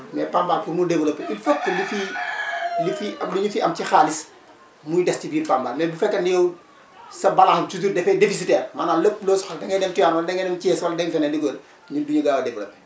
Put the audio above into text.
mais Pambal pour mu développer il faut que li fiy li fiy lu ñu foi am si xaalis muy des ci biir Pambal léegi bu fekkee ne yow sa balance toujours dafay déficitaire maanaam lépp loo soxla da ngay dem Tivaouane wala da ngay dem Thiès wala dem feneen duggal ñu duñu gaaw a développé